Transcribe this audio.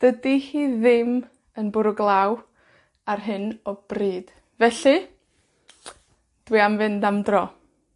Dydi hi ddim yn bwrw glaw ar hyn o bryd. Felly, dwi am fynd am dro.